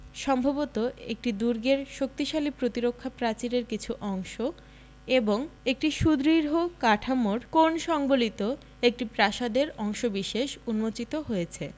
সম্ভবত একটি দুর্গের শক্তিশালী প্রতিরক্ষা প্রাচীরের কিছু অংশ এবং একটি সুদৃঢ় কাঠামোর কোণ সম্বলিত একটি প্রাসাদের অংশবিশেষ উন্মোচিত হয়েছে